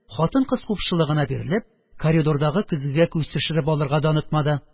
Хатын-кыз купшылыгына бирелеп, коридордагы көзгегә күз төшереп алырга да онытмады.